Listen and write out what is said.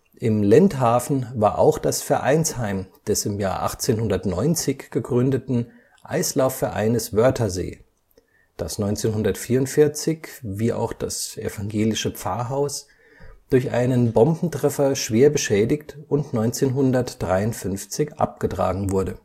Im Lendhafen war auch das Vereinsheim des im Jahr 1890 gegründeten „ Eislaufvereines Wörthersee “, das 1944 – wie auch das evangelische Pfarrhaus – durch einen Bombentreffer schwer beschädigt und 1953 abgetragen wurde